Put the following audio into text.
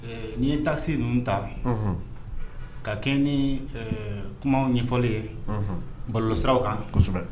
N'i ye ta se n ninnu ta ka kɛ ni kuma ɲɛfɔli kɛ balo siraraw kan kosɛbɛ